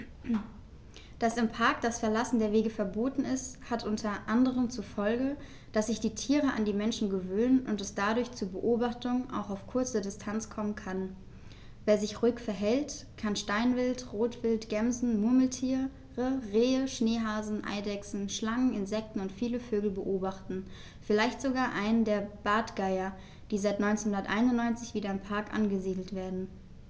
Dass im Park das Verlassen der Wege verboten ist, hat unter anderem zur Folge, dass sich die Tiere an die Menschen gewöhnen und es dadurch zu Beobachtungen auch auf kurze Distanz kommen kann. Wer sich ruhig verhält, kann Steinwild, Rotwild, Gämsen, Murmeltiere, Rehe, Schneehasen, Eidechsen, Schlangen, Insekten und viele Vögel beobachten, vielleicht sogar einen der Bartgeier, die seit 1991 wieder im Park angesiedelt werden.